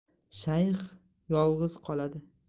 shayx yolg'iz qoladi